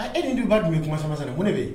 A e de ni ba dun bɛ kuma sama-sama na mun de bɛ yen